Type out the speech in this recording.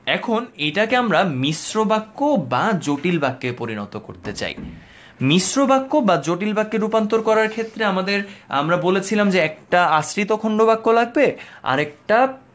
এখন এটাকে আমরা মিশ্র বাক্য বা জটিল বাক্যে পরিণত করতে চাই মিশ্র বাক্য বা জটিল বাক্যে রূপান্তর করার ক্ষেত্রে আমাদের আমরা বলেছিলাম যে একটা আশ্রিত খন্ডবাক্য লাগবে আরেকটা